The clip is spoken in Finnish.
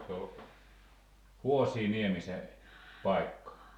se oli Haasianniemi se paikka